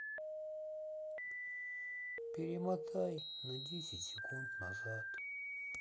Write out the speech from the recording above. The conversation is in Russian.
перемотай на десять секунд назад